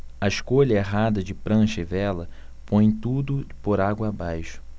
a escolha errada de prancha e vela põe tudo por água abaixo